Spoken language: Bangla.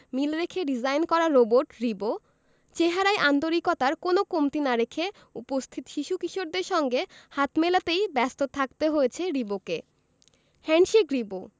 মিল রেখে ডিজাইন করা রোবট রিবো চেহারায় আন্তরিকতার কোনো কমতি না রেখে উপস্থিত শিশু কিশোরদের সঙ্গে হাত মেলাতেই ব্যস্ত থাকতে হয়েছে রিবোকে হ্যান্ডশেক রিবো